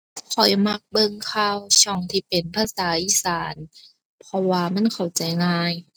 ข้อยมักเบิ่งข่าวช่องที่เป็นภาษาอีสาน เพราะว่ามันเข้าใจง่าย